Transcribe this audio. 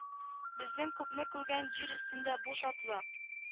Безнең күпне күргән җир өстендә бу шатлык